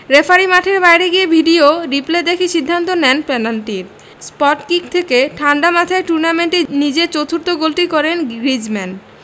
referee মাঠের বাইরে গিয়ে ভিডিও রিপ্লে দেখে সিদ্ধান্ত দেন পেনাল্টির স্পটকিক থেকে ঠাণ্ডা মাথায় টুর্নামেন্টে নিজের চতুর্থ গোলটি করেন গ্রিজমান